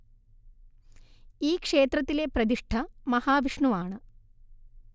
ഈ ക്ഷേത്രത്തിലെ പ്രതിഷ്ഠ മഹാവിഷ്ണു ആണ്